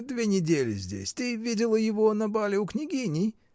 Две недели здесь: ты видела его на бале у княгини?